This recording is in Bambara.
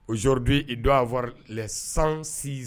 O szodi don aɔr lasansi